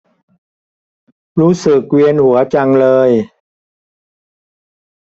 รู้สึกเวียนหัวจังเลย